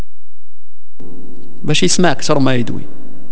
ماشي اسم اكثر ما يدوي